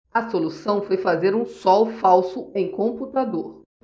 a solução foi fazer um sol falso em computador